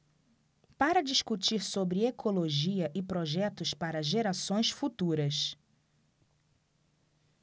para discutir sobre ecologia e projetos para gerações futuras